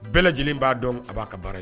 Bɛɛ lajɛlen b'a dɔn a b'a ka baara ye